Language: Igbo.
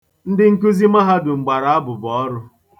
Ndị nkụzi mahadum gbara abụbọọrụ.